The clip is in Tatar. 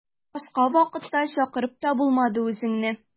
Башка вакытта чакырып та булмады үзеңне.